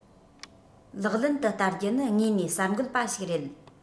ལག ལེན དུ བསྟར རྒྱུ ནི དངོས གནས གསར འགོད པ ཞིག རེད